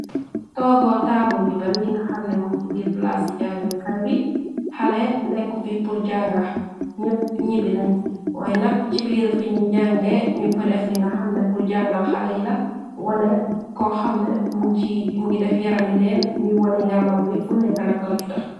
Toogoo taabul yi bari nga xamne mun ci biir plaas yi jaayukaay bi hali nekku fi purjanga ñépp ñi bi nañ waaye nak ci biir fi ñi jànge ñu fa def li nga xamne purjangal hali la wone ko xamne ngi def yarami neen ñuy wone yarman bi fune ka nak la tudax.